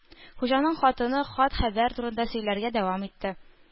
Хуҗаның хатыны хат-хәбәр турында сөйләргә дәвам итте